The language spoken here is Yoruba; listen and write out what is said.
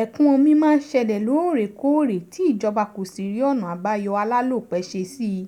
ẹ̀kún-omi máa ń ṣẹlẹ̀ lóòrèkóòrè tí ìjọba kò sì rí ọ̀nà-àbáyọ alálòpẹ́ ṣe síi.